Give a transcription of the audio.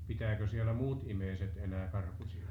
pitääkö siellä muut ihmiset enää karpusia